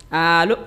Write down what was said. Allo